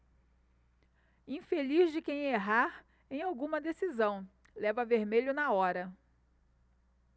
infeliz de quem errar em alguma decisão leva vermelho na hora